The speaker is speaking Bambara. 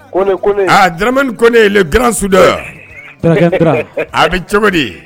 Ko ne le g suda yan a bɛ cogo de ye